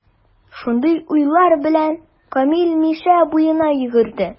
Шундый уйлар белән, Камил Мишә буена йөгерде.